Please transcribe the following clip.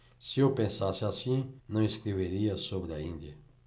se eu pensasse assim não escreveria sobre a índia